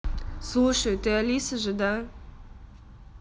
слушай ты алиса же да